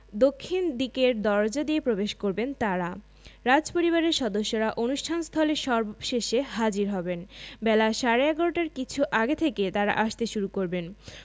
দক্ষিণ দিকের দরজা দিয়ে প্রবেশ করবেন তাঁরা রাজপরিবারের সদস্যরা অনুষ্ঠান স্থলে সবশেষে হাজির হবেন বেলা সাড়ে ১১টার কিছু আগে থেকে তাঁরা আসতে শুরু করবেন